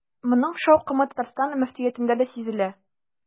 Моның шаукымы Татарстан мөфтиятендә дә сизелә.